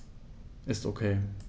Ist OK.